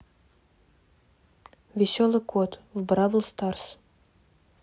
веселый кот в бравл старс